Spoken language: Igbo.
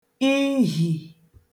ihì